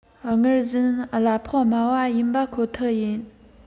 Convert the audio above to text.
སྔར བཞིན གླ ཕོགས དམའ བ ཡིན པ ཁོ ཐག ཡིན